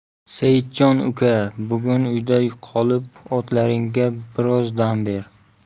seitjon uka bugun uyda qolib otlaringga biroz dam ber